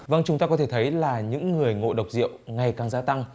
vâng chúng ta có thể thấy là những người ngộ độc rượu ngày càng gia tăng